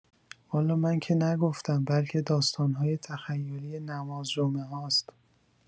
والا من که نگفتم بلکه داستان‌های تخیلی نمازجمعه هاست